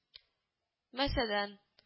Мәсәлән